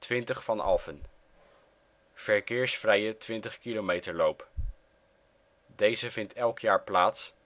20 van Alphen: Verkeersvrije 20 kilometerloop. Deze vindt elk jaar plaats